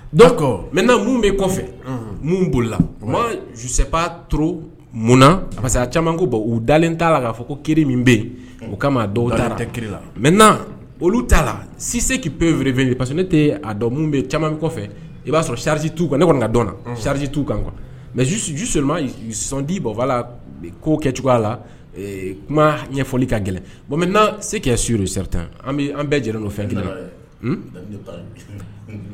Dɔw mɛ bɛ kɔfɛ minnu bolila munna pa caman ko u dalen t'a la k'a fɔ ko ki min bɛ yen o kama ki la mɛ olu t'a la sise ka pe feere parce ne tɛ dɔn caman min kɔfɛ i b'a sɔrɔ sariji t uu ne kɔni ka dɔn na sariji t'u kan mɛ sondi' ko kɛ cogoya la kuma ɲɛfɔli ka gɛlɛn mɛ se ka suurri tan an bɛɛ lajɛlen fɛn kelen